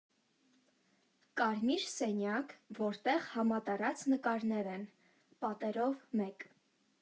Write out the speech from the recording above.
Կարմիր սենյակ, որտեղ համատարած նկարներ են՝ պատերով մեկ։